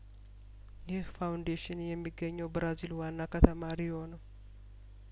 ይህ ፋውንዴሽን የሚገኘው ብራዚል ዋና ከተማ ሪዮ ነው